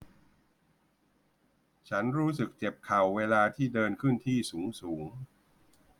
ฉันรู้สึกเจ็บเข่าเวลาที่เดินขึ้นที่สูงสูง